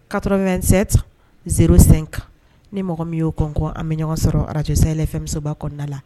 Katoɔrɔsɛn tan z sen kan ni mɔgɔ min y'o kɔn an bɛ ɲɔgɔnɔgɔ sɔrɔ arajsaɛlɛnfɛnmusoba kɔnɔnada la